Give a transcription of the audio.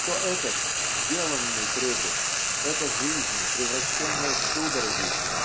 -- то этот сделанный трепет эта жизнь превращенная в судороги